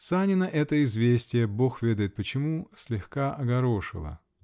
Санина это известие -- бог ведает почему -- слегка огорошило.